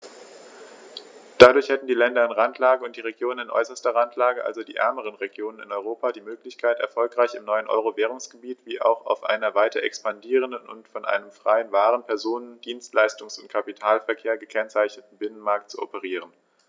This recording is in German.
Dadurch hätten die Länder in Randlage und die Regionen in äußerster Randlage, also die ärmeren Regionen in Europa, die Möglichkeit, erfolgreich im neuen Euro-Währungsgebiet wie auch auf einem weiter expandierenden und von einem freien Waren-, Personen-, Dienstleistungs- und Kapitalverkehr gekennzeichneten Binnenmarkt zu operieren.